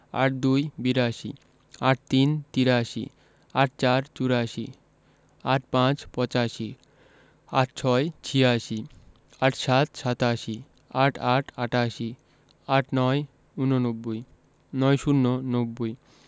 ৮২ বিরাশি ৮৩ তিরাশি ৮৪ চুরাশি ৮৫ পঁচাশি ৮৬ ছিয়াশি ৮৭ সাতাশি ৮৮ আটাশি ৮৯ ঊননব্বই ৯০ নব্বই